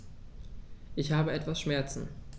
Ich habe etwas Schmerzen.